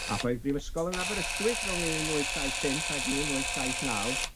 Ath o i'r Brifysgol yn Aberystwyth rhwng un wyth saith pump ag un wyth saith naw,